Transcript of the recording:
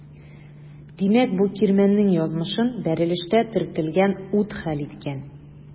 Димәк бу кирмәннең язмышын бәрелештә төртелгән ут хәл иткән.